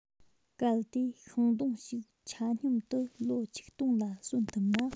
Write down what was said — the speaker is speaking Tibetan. གལ ཏེ ཤིང སྡོང ཞིག ཆ སྙོམ དུ ལོ ཆིག སྟོང ལ གསོན ཐུབ ན